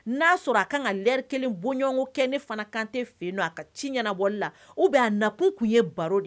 N'a sɔrɔ a kan ka ri kelen boɲɔgɔn kɛ ne fana kante fɛ don a ka ciɲɛnabɔli la u bɛ nakun tun ye baro de ye